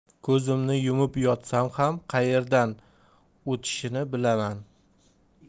ko'zimni yumib yotsam ham qayerdan o'tishini bilaman